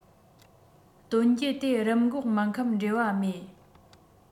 དོན རྐྱེན དེ རིམས འགོག སྨན ཁབ འབྲེལ བ མེད